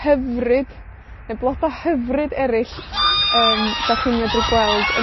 hyfryd, neu bloda hyfryd eryll, yym, 'dach chi'n medru gweld yn